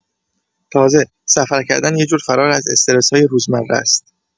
تازه، سفر کردن یه جور فرار از استرس‌های روزمره‌ست.